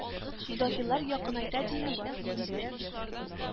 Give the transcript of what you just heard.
Даһилар якынайта дими, ни дисең